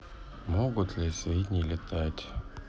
могут ли свиньи летать